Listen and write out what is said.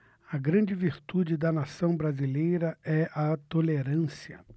a grande virtude da nação brasileira é a tolerância